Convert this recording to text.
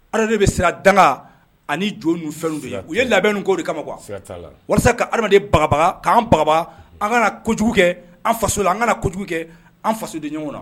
bɛ sira danga ani jo ni fɛn u ye labɛn o kɛ o de kama kuwa walasa ka adamaden bagabaga k'an baba an kana jugu kɛ an faso la an kana kojugu kɛ an faso de ɲɔgɔn